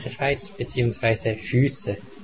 Schweiz) beziehungsweise schüüsse